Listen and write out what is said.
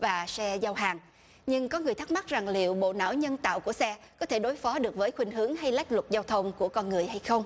và xe giao hàng nhưng có người thắc mắc rằng liệu bộ não nhân tạo của xe có thể đối phó được với khuynh hướng hay lách luật giao thông của con người hay không